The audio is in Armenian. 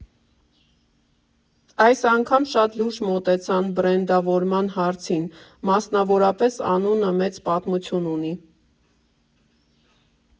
Այս անգամ շատ լուրջ մոտեցան բրենդավորման հարցին, մասնավորապես անունը մեծ պատմություն ունի։